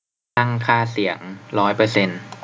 ตั้งค่าเสียงร้อยเปอร์เซนต์